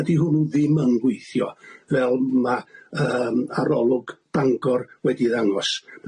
Dydi hwn ddim yn gweithio fel ma' yym arolwg Bangor wedi ddangos.